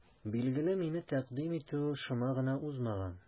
Билгеле, мине тәкъдим итү шома гына узмаган.